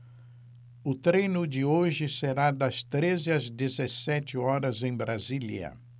o treino de hoje será das treze às dezessete horas em brasília